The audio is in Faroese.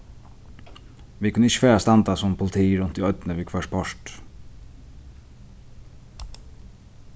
vit kunnu ikki fara at standa sum politi runt í oynni við hvørt portur